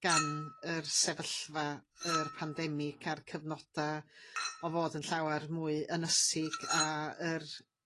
gan yr sefyllfa yr pandemig a'r cyfnoda o fod yn llawer mwy ynysig a yr